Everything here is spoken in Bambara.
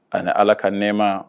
A ala ka nɛma